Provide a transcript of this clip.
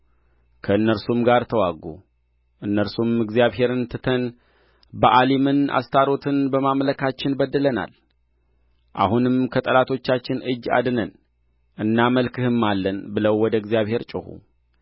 ከእነርሱም ጋር ተዋጉ እነርሱም እግዚአብሔርን ትተን በኣሊምንና አስታሮትን በማምለካችን በድለናል አሁንም ከጠላቶቻችን እጅ አድነን እናመልክህማለን ብለው ወደ እግዚአብሔር ጮኹ